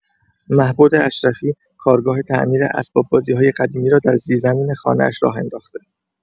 مهبد اشرفی، کارگاه تعمیر اسباب‌بازی‌های قدیمی را در زیرزمین خانه‌اش راه انداخته.